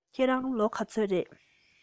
ཁྱེད རང ལོ ག ཚོད རེད